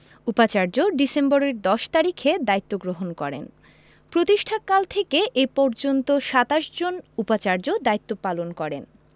উপাচার্য ডিসেম্বরের ১০ তারিখে দায়িত্ব গ্রহণ করেন প্রতিষ্ঠাকাল থেকে এ পর্যন্ত ২৭ জন উপাচার্য দায়িত্ব পালন করেন